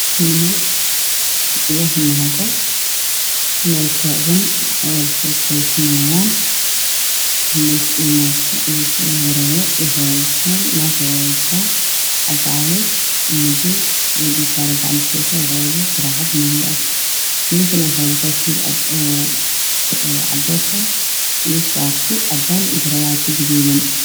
Meeshan waa meel banaan waxaa isku imaada dad farabadan niman iyo iskugu jiraan shaatiyo ayey wataan iyo suudaan